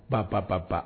Pa pa pa pa